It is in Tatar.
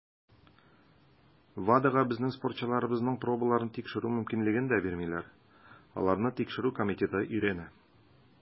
WADAга безнең спортчыларыбызның пробаларын тикшерү мөмкинлеген дә бирмиләр - аларны Тикшерү комитеты өйрәнә.